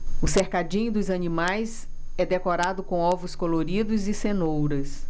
o cercadinho dos animais é decorado com ovos coloridos e cenouras